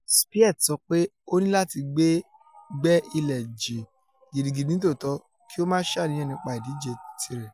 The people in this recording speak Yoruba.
Spieth sọpe ''O níláti gbẹ́ ilẹ̀ jìn gidigidi nítòótọ́ kí ò maá ṣàníyàn nípa ìdíje tìrẹ̀''.